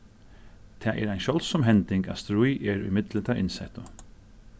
tað er ein sjáldsom hending at stríð er ímillum teir innsettu